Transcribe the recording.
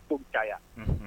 Ko ta yan